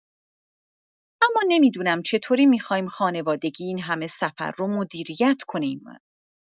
اما نمی‌دونم چطوری می‌خوایم خانوادگی این‌همه سفر رو مدیریت کنیم.